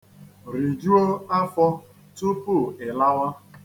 Rijuo afọ tupu ị lawa.